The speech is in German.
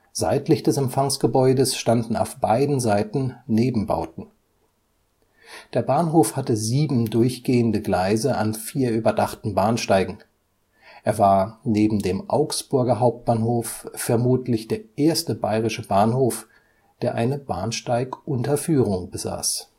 Seitlich des Empfangsgebäudes standen auf beiden Seiten Nebenbauten. Der Bahnhof hatte sieben durchgehende Gleise an vier überdachten Bahnsteigen, er war neben dem Augsburger Hauptbahnhof vermutlich der erste bayerische Bahnhof, der eine Bahnsteigunterführung besaß